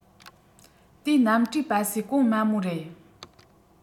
དེའི གནམ གྲུའི སྤ སེ གོང དམའ པོ རེད